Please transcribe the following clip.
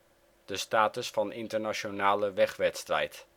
status van internationale wegwedstrijd